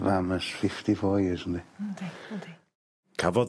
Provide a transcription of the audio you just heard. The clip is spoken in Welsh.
fam ers fifty four years yndi. Yndi yndi. Cafodd...